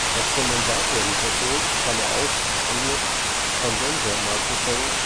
Das Kondensatormikrofon (engl. condenser microphone